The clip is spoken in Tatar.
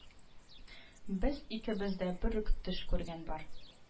Без икебез дә бер үк төш күргән бар